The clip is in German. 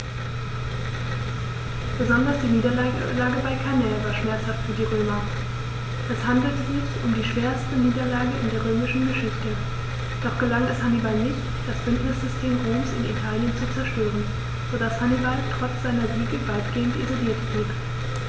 Besonders die Niederlage bei Cannae war schmerzhaft für die Römer: Es handelte sich um die schwerste Niederlage in der römischen Geschichte, doch gelang es Hannibal nicht, das Bündnissystem Roms in Italien zu zerstören, sodass Hannibal trotz seiner Siege weitgehend isoliert blieb.